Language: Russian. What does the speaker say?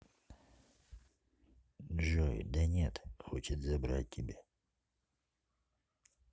джой данет хочет забрать тебя